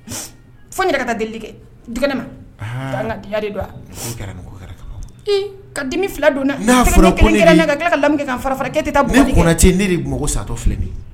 Fo n yɛrɛ ka taa delili kɛ, dukɛnɛ ma i, ka dimi fila don n na ne Kɔnatɛ ne de mago satɔ filɛ nin ye